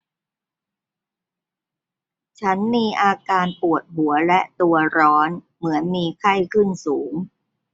ฉันมีอาการปวดหัวและตัวร้อนเหมือนมีไข้ขึ้นสูง